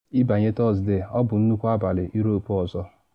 Ịbanye Tọsde, ọ bụ nnukwu abalị Europe ọzọ.